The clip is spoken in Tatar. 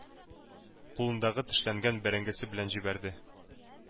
Кулындагы тешләнгән бәрәңгесе белән җибәрде...